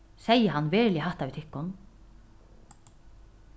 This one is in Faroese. segði hann veruliga hatta við tykkum